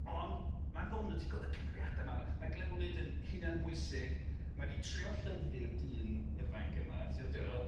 Ond ma'n ddoniol, ti'n gweld y cymeriada' 'ma, ma' ma' Glewlyd yn hunanbwysig ma' 'di trio lleddfu'r dyn ifanc yma, ti'o' ti'n gwbo?